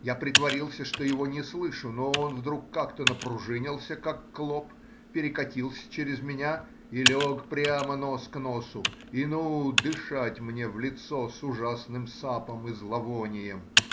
Я притворился, что его не слышу, но он вдруг как-то напружинился, как клоп, перекатился чрез меня и лег прямо нос к носу, и ну дышать мне в лицо с ужасным сапом и зловонием.